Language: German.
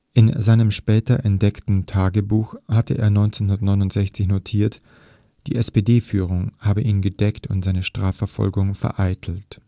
In seinem später entdeckten Tagebuch hatte er 1969 notiert, die SPD-Führung habe ihn gedeckt und seine Strafverfolgung vereitelt